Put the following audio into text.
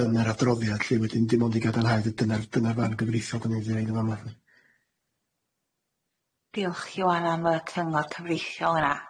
yn yr adroddiad lly wedyn dim ond i gadarnhau y dyna'r dyna'r farn gyfreithiol dan ni'n mynd i roid yn fama. Diolch Ioan am y cyngor cyfreithiol yna.